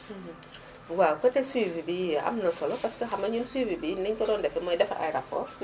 waaw côté suivi bi am na solo parce que xam nga ñun suivi bi ni ñu ko doon defee mooy defar ay rapports